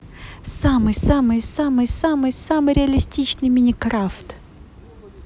самый самый самый самый самый реалистичный minecraft